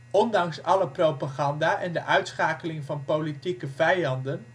Ondanks alle propaganda en de uitschakeling van politieke vijanden